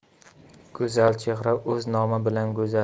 go'zal chehra o'z nomi bilan go'zal